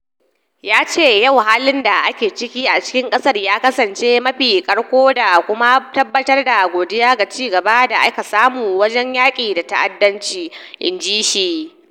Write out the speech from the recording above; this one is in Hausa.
Ya ce, "Yau halin da ake ciki a cikin ƙasa ya kasance mafi karko da kuma tabbatar da godiya ga cigaban da aka samu wajen yaki da ta'addanci," inji shi.